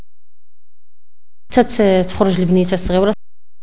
تخرج لميس الصايل